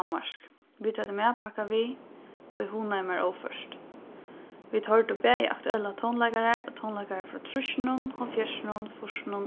danmark vit høvdu matpakka við og eg hugnaði mær óført vit hoyrdu bæði aktuellar tónleikarar og tónleikarar frá trýssunum hálvfjerðsunum fýrsunum